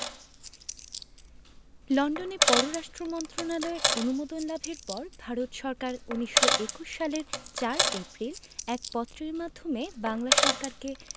লন্ডনে পররাষ্ট্র মন্ত্রণালয়ের অনুমোদন লাভের পর ভারত সরকার ১৯২১ সালের ৪ এপ্রিল এক পত্রের মাধ্যমে বাংলা সরকারকে